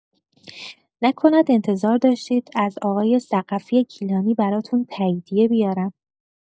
نکند انتظار داشتید از آقای ثقفی گیلانی براتون تاییدیه بیارم؟